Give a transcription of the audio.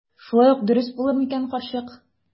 Шулай ук дөрес булыр микән, карчык?